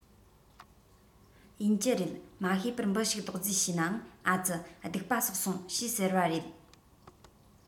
ཡིན གྱི རེད མ ཤེས པར འབུ ཞིག རྡོག རྫིས བྱས ན ཡང ཨ ཙི སྡིག པ བསགས སོང ཞེས ཟེར བ རེད